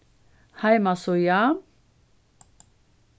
heimasíða